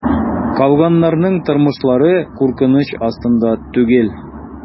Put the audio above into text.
Калганнарның тормышлары куркыныч астында түгел.